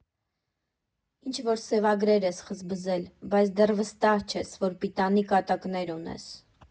Ինչ֊որ սևագրեր ես խզբզել, բայց դեռ վստահ չես, որ պիտանի կատակներ ունես։